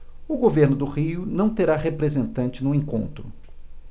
o governo do rio não terá representante no encontro